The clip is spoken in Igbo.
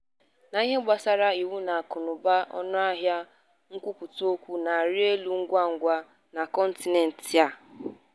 N'ihe gbasara iwu na akụnaụba, ọnụahịa nkwupụta okwu na-arị elu ngwangwa na kọntinent a.